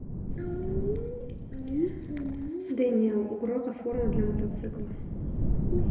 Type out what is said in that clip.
daniel угроза форму для мотоцикла